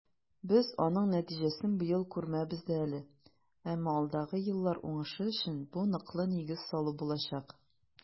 Без аның нәтиҗәсен быел күрмәбез дә әле, әмма алдагы еллар уңышы өчен бу ныклы нигез салу булачак.